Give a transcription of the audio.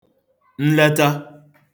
nleta